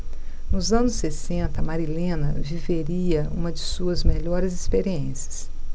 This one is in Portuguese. nos anos sessenta marilena viveria uma de suas melhores experiências